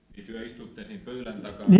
niin te istuitte siinä pöydän takana